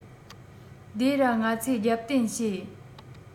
སྡེ ར ང ཚོས རྒྱབ རྟེན བྱེད